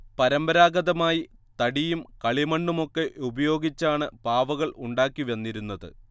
പരമ്പരാഗതമായി തടിയും കളിമണ്ണുമൊക്കെ ഉപയോഗിച്ചാണ് പാവകൾ ഉണ്ടാക്കി വന്നിരുന്നത്